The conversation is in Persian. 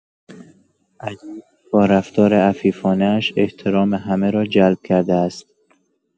علی با رفتار عفیفانه‌اش احترام همه را جلب کرده است.